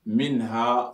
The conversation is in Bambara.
Min na